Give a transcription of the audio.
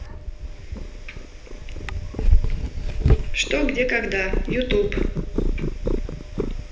что где когда youtube